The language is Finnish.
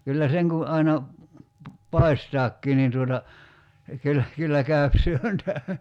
kyllä sen kun aina paistaakin niin tuota kyllä kyllä käy syönti